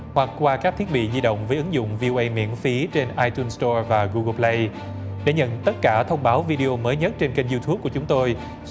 hoặc qua các thiết bị di động với ứng dụng vi ô ay miễn phí trên ai tun sờ to và gu gồ vờ lay để nhận tất cả thông báo vi đi ô mới nhất trên kênh diu túp của chúng tôi sau